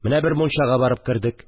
Менә бер мунчага барып кердек